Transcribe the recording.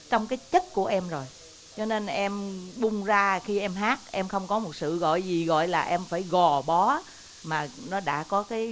trong cái chất của em rồi cho nên em bung ra khi em hát em không có một sự gọi gì gọi là em phải gò bó mà nó đã có cái